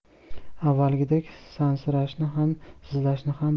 avvalgidek sansirashni ham sizlashni ham bilmasdim